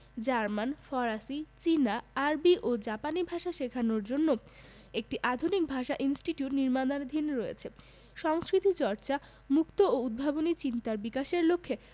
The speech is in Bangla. জার্মান ফরাসি চীনা আরবি ও জাপানি ভাষা শেখানোর জন্য একটি আধুনিক ভাষা ইনস্টিটিউট নির্মাণাধীন রয়েছে সংস্কৃতিচর্চা মুক্ত ও উদ্ভাবনী চিন্তার বিকাশের লক্ষ্যে